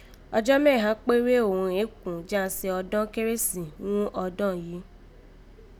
Ọjọ́ mẹ́ẹ̀hán kpéré òghun rèé kú jí a í se ọdọ́n Kérésì ghún ọdọ́n yìí